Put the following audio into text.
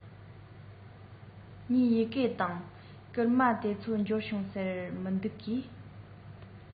ངའི ཡི གེ དང བསྐུར མ དེ ཚོ འབྱོར བྱུང ཟེར གྱི མི འདུག གས